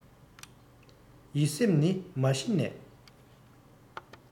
ཡིད སེམས ནི མ གཞི ནས